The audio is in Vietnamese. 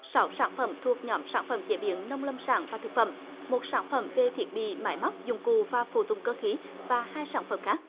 sáu sản phẩm thuộc nhóm sản phẩm chế biến nông lâm sản và thực phẩm một sản phẩm về thiết bị máy móc dụng cụ và phụ tùng cơ khí và hai sản phẩm khác